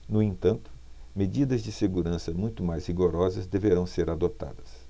no entanto medidas de segurança muito mais rigorosas deverão ser adotadas